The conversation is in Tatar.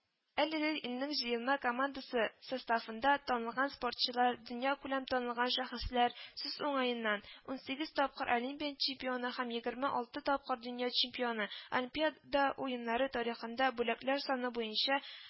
Әлеге илнең җыелма командасы составында – танылган спортчылар, дөньякүләм танылган шәхесләр – сүз уңаеннан, унсигез тапкыр олимпия чемпионы һәм егерме алты тапкыр дөнья чемпионы, Олимпиада уеннары тарихында бүләкләр саны буенча